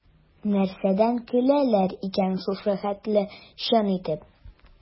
Нәрсәдән көләләр икән шушы хәтле чын итеп?